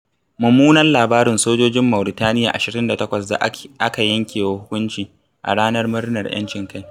Mummunan labarin sojojin Mauritaniya 28 da aka yankewa hukunci a Ranar Murnar 'Yancin Kai.